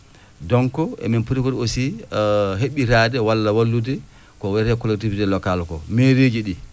donc emin poti kadi aussi heɓɓitaade walla wallude ko wiyetee collectivité local ko maire iiji ɗii